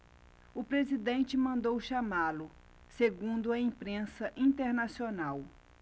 o presidente mandou chamá-lo segundo a imprensa internacional